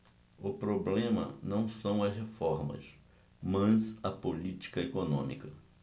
o problema não são as reformas mas a política econômica